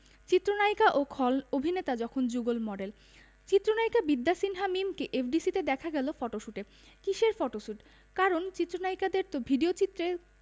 চিত্রনায়িকা ও খল অভিনেতা যখন যুগল মডেল চিত্রনায়িকা বিদ্যা সিনহা মিমকে এফডিসিতে দেখা গেল ফটোশুটে কিসের ফটোশুট কারণ চিত্রনায়িকাদের তো ভিডিওচিত্রে